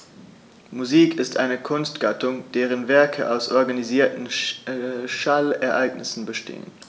Musik ist eine Kunstgattung, deren Werke aus organisierten Schallereignissen bestehen.